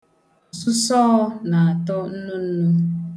Ọsụsọọ na-atọ nnu nnu.